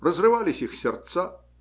Разрывались их сердца